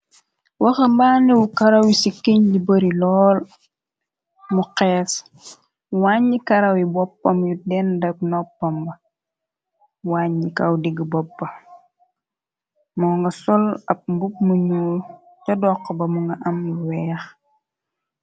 waxa mbaanewu karaw yi ci keñ ji bari lool mu xees wàññi karaw yi boppam yu dendaku noppamb wàññi kaw dig bopp, moo nga sol ab mbub muñu ja dokx ba mu nga am weex.